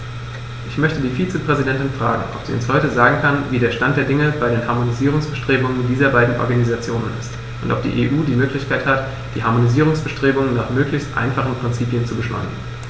Ich möchte die Vizepräsidentin fragen, ob sie uns heute sagen kann, wie der Stand der Dinge bei den Harmonisierungsbestrebungen dieser beiden Organisationen ist, und ob die EU die Möglichkeit hat, die Harmonisierungsbestrebungen nach möglichst einfachen Prinzipien zu beschleunigen.